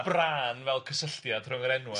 y brân fel cysylltiad rhwng yr enwau yma.